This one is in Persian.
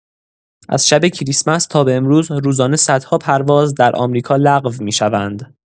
از شب کریسمس تا به امروز، روزانه صدها پرواز در آمریکا لغو می‌شوند.